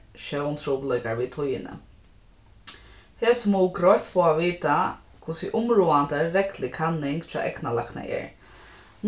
sjóntrupulleikar við tíðini hesi mugu greitt fáa at vita hvussu umráðandi reglulig kanning hjá eygnalækna er